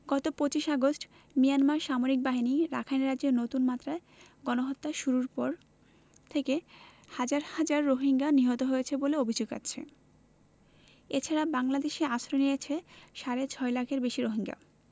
গত ২৫ August Myanmar সামরিক বাহিনী রাখাইন রাজ্যে নতুন মাত্রায় গণহত্যা শুরুর পর থেকে হাজার হাজার রোহিঙ্গা নিহত হয়েছে বলে অভিযোগ আছে এ ছাড়া বাংলাদেশে আশ্রয় নিয়েছে সাড়ে ছয় লাখেরও বেশি রোহিঙ্গা